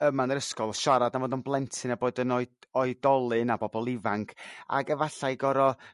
yma yn yr ysgol siarad am bod yn blentyn a bod yn oed- oedolyn a bobol ifanc ag efallai gor'o'